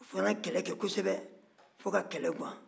u fana ye kɛlɛ kɛ kosɛbɛ fɔ ka kɛlɛ gan